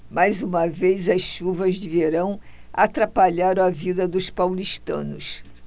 mais uma vez as chuvas de verão atrapalharam a vida dos paulistanos